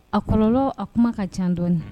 A kɔlɔlɔ, a kuma ka ca dɔɔnin